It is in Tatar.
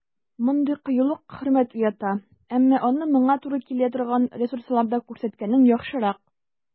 Мондый кыюлык хөрмәт уята, әмма аны моңа туры килә торган ресурсларда күрсәткәнең яхшырак.